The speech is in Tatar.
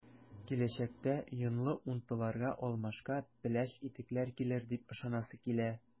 Киләчәктә “йонлы” унтыларга алмашка “пеләш” итекләр килер дип ышанасы килә.